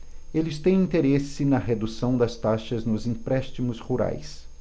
eles têm interesse na redução das taxas nos empréstimos rurais